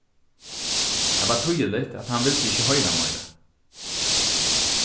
tað var týðiligt at hann vildi ikki hoyra meira